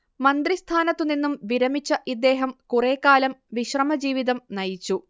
മന്ത്രിസ്ഥാനത്തുനിന്നും വിരമിച്ച ഇദ്ദേഹം കുറേക്കാലം വിശ്രമജീവിതം നയിച്ചു